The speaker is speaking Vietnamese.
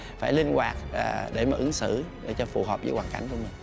phải linh hoạt để để mà ứng xử để cho phù hợp với hoàn cảnh của mình